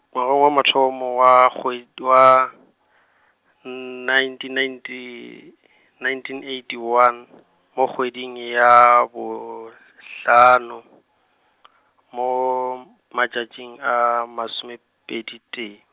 ngwageng wa mathomo wa kgwedi, wa, nineteen ninety , nineteen eighty one , mo kgweding ya bohl- hlano , mo -m, matšatšing a masomepedi tee.